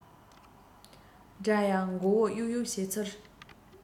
འདྲ ཡང མགོ བོ གཡུག གཡུག བྱེད ཚུལ